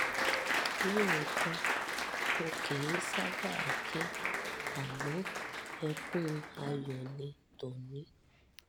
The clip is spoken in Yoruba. ”Lóòótọ́ mò kìí sábà kẹ́ àmọ́ ẹkún ayọ̀ ni tòní.